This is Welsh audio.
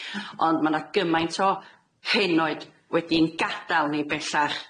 Ond ma' 'na gymaint o henoed wedi'n gadal ni bellach.